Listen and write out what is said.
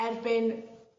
erbyn